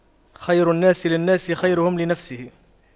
خير الناس للناس خيرهم لنفسه